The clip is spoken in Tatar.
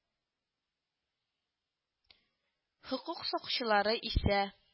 Хокук сакчылары исә